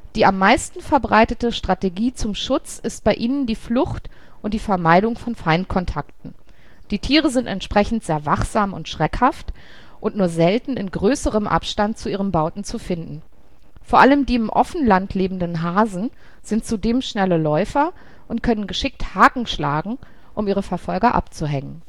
Die am meisten verbreitete Strategie zum Schutz ist bei ihnen die Flucht und die Vermeidung von Feindkontakten. Die Tiere sind entsprechend sehr wachsam und schreckhaft und nur selten in größerem Abstand zu ihren Bauten zu finden. Vor allem die im Offenland lebenden Hasen sind zudem schnelle Läufer und können geschickt Haken schlagen, um ihre Verfolger abzuhängen